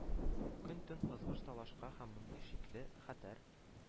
Көн-төн ызгыш-талашка һәм мондый шикле, хәтәр